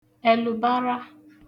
ẹ̀lùbara